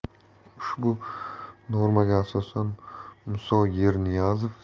ushbu normaga asosan musa yerniyazov